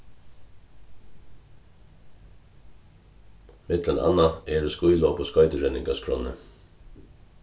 millum annað eru skílop og skoyturenning á skránni